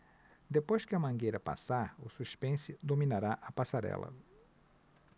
depois que a mangueira passar o suspense dominará a passarela